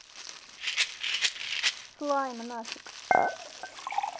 slime нафиг